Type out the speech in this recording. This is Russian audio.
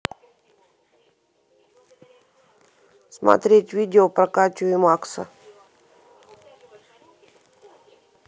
смотреть видео про катю и макса